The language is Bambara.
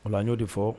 Ola n'o de fɔ